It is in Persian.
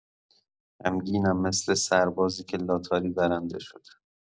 غمگینم مثل سربازی که لاتاری برنده شده.